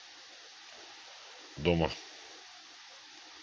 дома